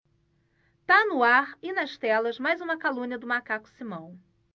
tá no ar e nas telas mais uma calúnia do macaco simão